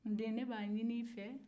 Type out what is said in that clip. n den ne b'a ɲini e fɛ